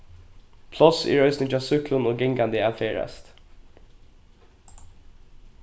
pláss er eisini hjá súkklum og gangandi at ferðast